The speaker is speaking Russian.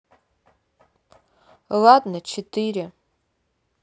ладно четыре